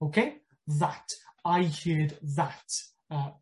Oce? That. I heard that. Yy